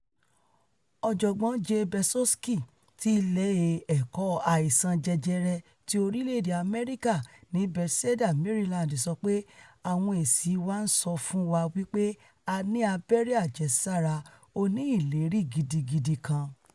Ọ̀jọ̀gbọ́n Jay Berzofsky, ti Ilé Ẹ̀kọ́ Àìsàn Jẹjẹrẹ ti orílẹ̀-èdè Amẹrika ní Bethesda, Maryland, sọ pé: ''Àwọn èsì wa ńsọ fún wa wí pé a ní abẹ́rẹ́ àjẹsára oníìlérí gidigidi kan.